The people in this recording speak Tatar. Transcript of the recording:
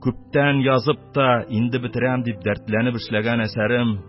Күптән язып та, инде бетерәм, дип дәртләнеп эшләгән әсәрем